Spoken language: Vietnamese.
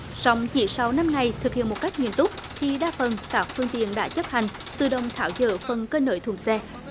song chỉ sau năm ngày thực hiện một cách nghiêm túc thì đa phần các phương tiện đã chấp hành tự động tháo dỡ phần cơi nới thùng xe